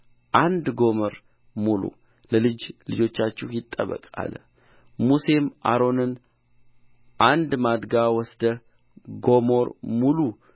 አንድ ጎሞር ሙሉ ለልጅ ልጆቻችሁ ይጠበቅ አለ ሙሴም አሮንን አንድ ማድጋ ወስደህ ጎሞር ሙሉ